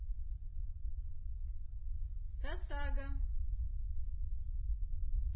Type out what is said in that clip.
сасаго